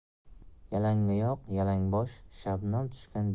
yalangoyoq yalangbosh shabnam tushgan